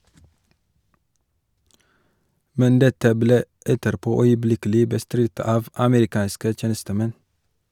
Men dette ble etterpå øyeblikkelig bestridt av amerikanske tjenestemenn.